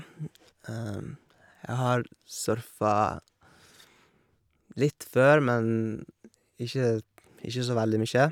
Jeg har surfa litt før, men ikke ikke så veldig mye.